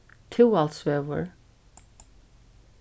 túalsvegur